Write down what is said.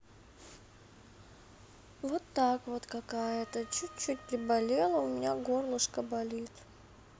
вот так вот какая то чуть чуть приболела у меня горлышко болит